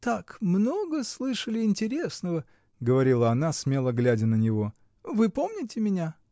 — Так много слышали интересного, — говорила она, смело глядя на него. — Вы помните меня?